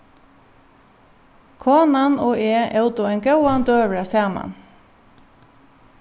konan og eg ótu ein góðan døgurða saman